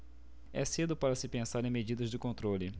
é cedo para se pensar em medidas de controle